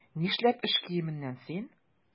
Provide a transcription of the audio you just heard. Нишләп эш киеменнән син?